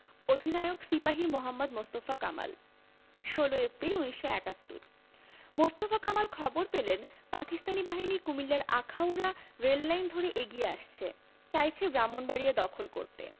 অধিনায়ক সিপাহি মোহাম্মদ মোস্তফা কামাল ১৬ এপ্রিল ১৯৭১ মোস্তফা কামাল খবর পেলেন পাকিস্তানি বাহিনী কুমিল্লার আখাউড়া রেললাইন ধরে এগিয়ে আসছে চাইছে ব্রাহ্মনবাড়িয়া দখল করতে